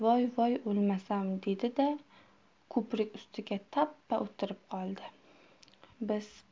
voy voy o'lmasam dedi da ko'prik ustiga tappa o'tirib qoldi